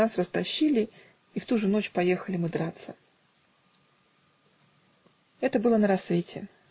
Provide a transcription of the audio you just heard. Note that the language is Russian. нас растащили, и в ту же ночь поехали мы драться. Это было на рассвете.